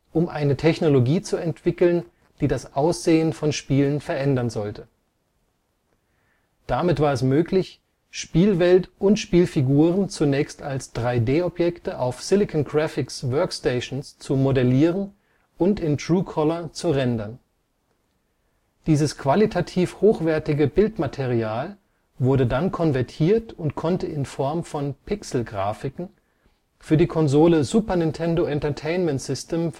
um eine Technologie zu entwickeln, die das Aussehen von Spielen verändern sollte. Damit war es möglich, Spielwelt und - figuren zunächst als 3D-Objekte auf Silicon-Graphics-Workstations zu modellieren und in True Color zu rendern. Dieses qualitativ hochwertige Bildmaterial wurde dann konvertiert und konnte in Form von Pixelgrafiken für die Konsole Super Nintendo Entertainment System